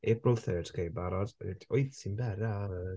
April third ok barod? Yy t- wyt ti'n barod?